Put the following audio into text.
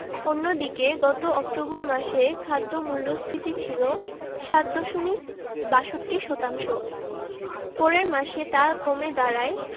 অন্যদিকে গত অক্টোবর মাসে খাদ্য মূল্যস্ফীতি ছিল ৭ দশমিক ৬২ শতাংশ পরের মাসে তা কমে দাঁড়ায়